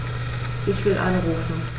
Ich will anrufen.